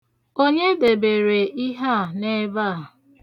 Onye debere ihe a n'ebe a?